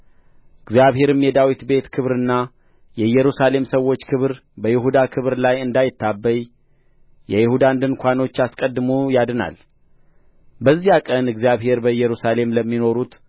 እግዚአብሔርም የዳዊት ቤት ክብርና የኢየሩሳሌም ሰዎች ክብር በይሁዳ ክብር ላይ እንዳይታበይ የይሁዳን ድንኳኖች አስቀድሞ ያድናል በዚያ ቀን እግዚአብሔር በኢየሩሳሌም ለሚኖሩት